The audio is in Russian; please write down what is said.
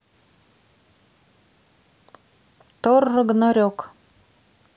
тор рагнарек